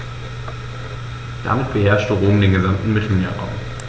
Damit beherrschte Rom den gesamten Mittelmeerraum.